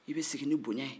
i bɛ sigi ni bonyɛ ye